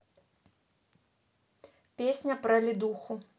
песня про ледуху